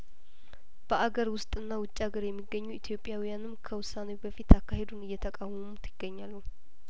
በአገር ውስጥና ውጭ አገር የሚገኙ ኢትዮጵያውያንም ከውሳኔው በፊት አካሄዱን እየተቃወሙት ይገኛሉ